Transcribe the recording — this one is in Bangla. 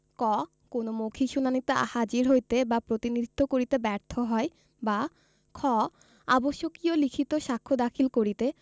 ক কোন মৌখিক শুনানীতে হাজির হইতে বা প্রতিনিধিত্ব করিতে ব্যর্থ হয় বা খ আবশ্যকীয় লিখিত সাক্ষ্য দাখিল করিতে